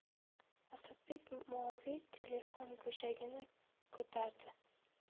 asadbek moviy telefon go'shagini ko'tardi